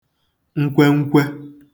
nkwenkwe